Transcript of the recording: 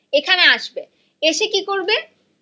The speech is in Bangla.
এখানে আসবে এসে কি করবে